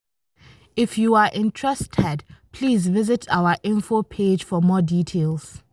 If you are interested, please visit our info page for more details.